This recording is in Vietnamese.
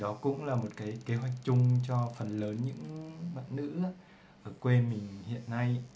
đó cũng là kế hoạch chung cho những bạn nữ ở quê mình hiện nay